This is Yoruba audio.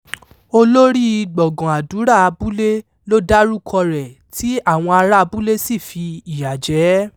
Olóríi gbọ̀gán àdúrà abúlé l'ó dárúkọ rẹ̀ tí àwọn ará abúlé sí fi ìyà jẹ́ ẹ.